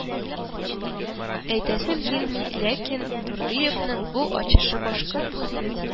Әйтәсем килми, ләкин дурдыевның бу «ачышы» башкорт